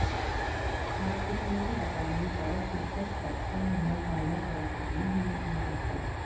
Բանակցությունների տապալումից առաջ էլ, Սերժ Սարգսյանը միայն «պարոնայք լրագրողներին» դիմեց ու հեռացավ։